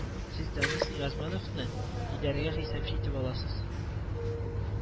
Сез Данис Госмановны идарәгә хисапчы итеп аласыз